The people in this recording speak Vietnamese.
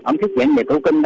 đồng tâm